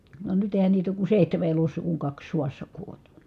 vaan nyt eihän niitä ole kuin seitsemän elossa kun kaksi sodassa kuoli